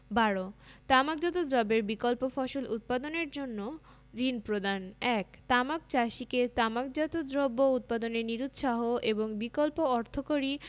১২ তামাকজাত দ্রব্যের বিকল্প ফসল উৎপাদনের জন্য ঋণ প্রদানঃ ১ তামাক চাষীকে তামাকজাত দ্রব্য উৎপাদনে নিরুৎসাহ এবং বিকল্প অর্থকরী